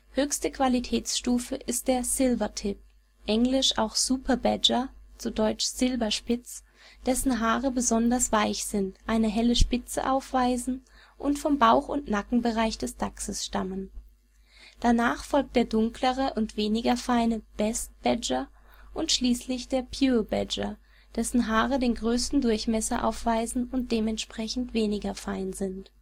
Höchste Qualitätsstufe ist der „ Silvertip “(engl. auch Super Badger; dt. Silberspitz), dessen Haare besonders weich sind, eine helle Spitze aufweisen und vom Bauch - und Nackenbereich des Dachses stammen. Danach folgt der dunklere und weniger feine „ Best Badger “und schließlich der „ Pure Badger “, dessen Haare den größten Durchmesser aufweisen und dementsprechend weniger fein sind